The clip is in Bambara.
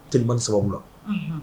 Telimani sababu laUnhun